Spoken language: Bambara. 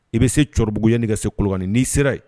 I bɛ se cɔribugu yani ka se Kolokani n'i sera yen